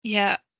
Ia.